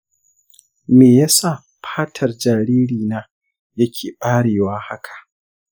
meyasa fatar jaririna yake ɓarewa haka?